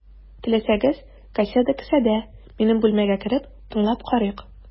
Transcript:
Теләсәгез, кассета кесәдә, минем бүлмәгә кереп, тыңлап карыйк.